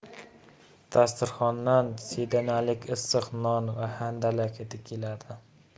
dasturxondan sedanalik issiq non va handalak hidi keladi